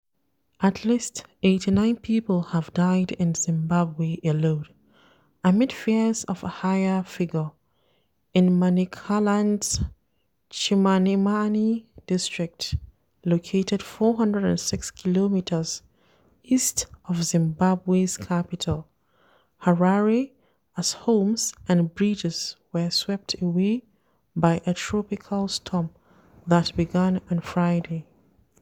At least 89 people have died in Zimbabwe alone, amid fears of a higher figure, in Manicaland's Chimanimani district, located 406 kilometers east of Zimbabwe's capital, Harare, as homes and bridges were swept away by a tropical storm that began on Friday.